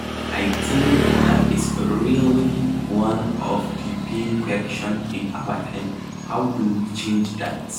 I think that's really one of the big questions in our time - how do we change that?